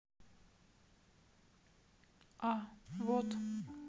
а вот